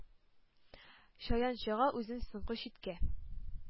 Чаян чага үзен соңгы чиктә,